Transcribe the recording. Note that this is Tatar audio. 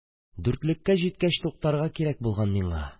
«дүртлеккә җиткәч, туктарга кирәк булган миңа!..